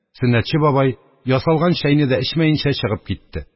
Сөннәтче бабай ясалган чәйне дә эчмәенчә чыгып китте.